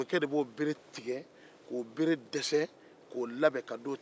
numukɛ de bɛ o bere tigɛ k'o bere dɛsɛ ko labɛn k'a di a tigi ma